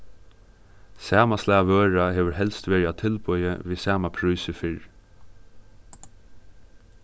sama slag vøra hevur helst verið á tilboði við sama prísi fyrr